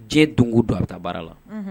Diɲɛ don don a bɛ taa baara la